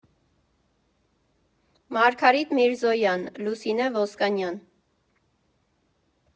Մարգարիտ Միրզոյան, Լուսինե Ոսկանյան։